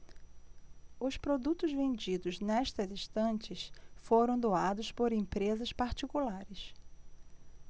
os produtos vendidos nestas estantes foram doados por empresas particulares